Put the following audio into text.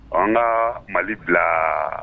An malibila